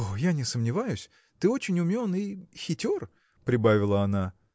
– О, я не сомневаюсь: ты очень умен и. хитер! – прибавила она.